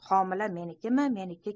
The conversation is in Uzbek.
homila menikimi meniki